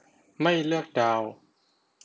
ไม่เลือกดาว